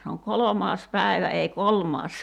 se on kolmas päivä ei kolmas